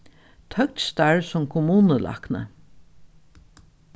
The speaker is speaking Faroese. tøkt starv sum kommunulækni